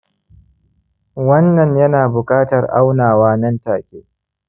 wannan ya na buƙatar aunawa nan-take